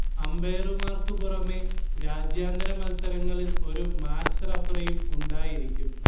അമ്പയർമാർക്കു പുറമേ രാജ്യാന്തര മത്സരങ്ങളിൽ ഒരു മാച്ച് റഫറിയും ഉണ്ടായിരിക്കും